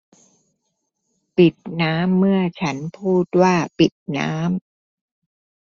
ปิดน้ำเมื่อฉันพูดว่าปิดน้ำ